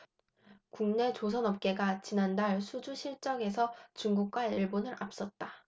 국내 조선업계가 지난달 수주 실적에서 중국과 일본을 앞섰다